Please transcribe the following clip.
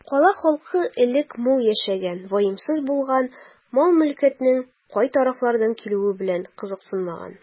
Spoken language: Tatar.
Кала халкы элек мул яшәгән, ваемсыз булган, мал-мөлкәтнең кай тарафлардан килүе белән кызыксынмаган.